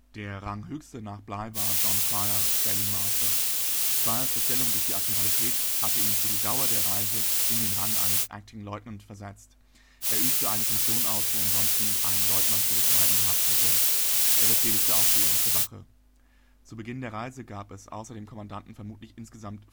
Ranghöchste nach Bligh war John Fryer, Sailing Master. Fryers Bestellung durch die Admiralität hatte ihn für die Dauer der Reise in den Rang eines Acting Lieutenant versetzt – er übte eine Funktion aus, die ansonsten ein Leutnant zu bekleiden gehabt hätte. Er befehligte auch die Erste Wache. Zu Beginn der Reise gab es außer dem Kommandanten vermutlich insgesamt